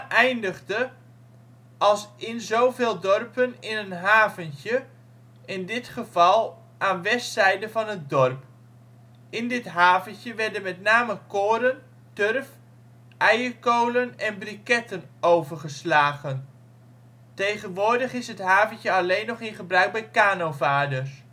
eindigde als in zoveel dorpen in een haventje, in dit geval aan westzijde van het dorp. In dit haventje werden met name koren, turf, eierkolen en briketten overgeslagen. Tegenwoordig is het haventje alleen nog in gebruik bij kanovaarders